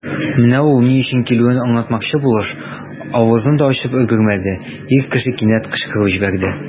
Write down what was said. Менә ул, ни өчен килүен аңлатмакчы булыш, авызын да ачып өлгермәде, ир кеше кинәт кычкырып җибәрде.